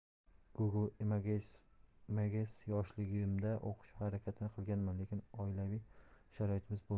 google imagesyoshligimda o'qish harakatini qilganman lekin oilaviy sharoitimiz bo'lmagan